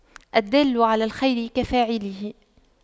الدال على الخير كفاعله